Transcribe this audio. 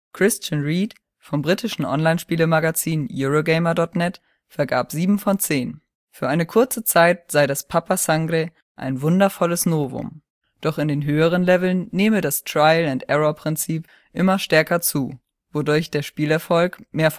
Kristan Reed vom britischen Online-Spielemagazin Eurogamer.net vergab 7 von 10. Für kurze Zeit sei das Papa Sangre ein „ wundervolles Novum “. Doch in den höheren Leveln nähme das Trial-and-error-Prinzip immer stärker zu, wodurch der Spielerfolg mehr